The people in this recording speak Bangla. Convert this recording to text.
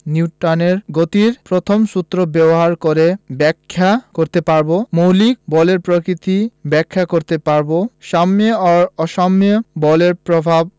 নিউটনের গতির প্রথম সূত্র ব্যবহার করে ব্যাখ্যা করতে পারব মৌলিক বলের প্রকৃতি ব্যাখ্যা করতে পারব সাম্য ও অসাম্য বলের প্রভাব